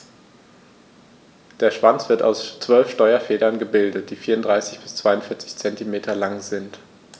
Der Schwanz wird aus 12 Steuerfedern gebildet, die 34 bis 42 cm lang sind.